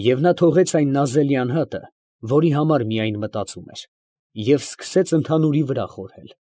Եվ նա թողեց այն նազելի անհատը, որի համար միայն մտածում էր, և սկսեց ընդհանուրի վրա խորհել։